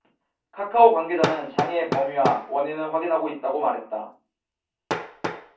카카오 관계자는 장애의 범위와 원인을 확인하고 있다 고 말했다